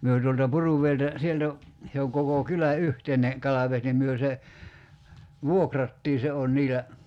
me tuolta Puruvedeltä sieltä se on koko kylän yhteinen kalavesi niin me se vuokrattiin se on niillä